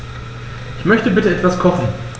Ich möchte bitte etwas kochen.